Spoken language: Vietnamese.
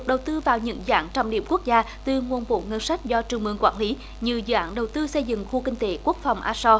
đầu tư vào những dự án trọng điểm quốc gia từ nguồn vốn ngân sách do trung ương quản lý như dự án đầu tư xây dựng khu kinh tế quốc phòng a so